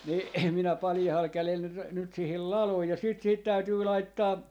niin minä paljaalla kädellä nyt - nyt siihen ladoin ja sitten siihen täytyy laittaa